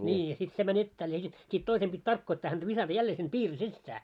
niin ja sitten se meni etäälle ja sitten sitten toisen piti tarkoittaa häntä viskata jälleen sinne piirin sisään